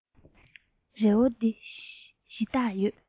རི བོ འདིར གཞི བདག ཡོད